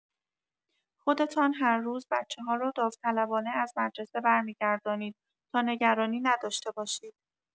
خودتان هر روز بچه‌ها را داوطلبانه از مدرسه برمی‌گردانید تا نگرانی نداشته باشید.